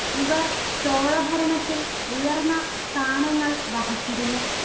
ഇവർ ചോള ഭരണത്തിൽ ഉയർന്ന സ്ഥാനങ്ങൾ വഹിച്ചിരുന്നു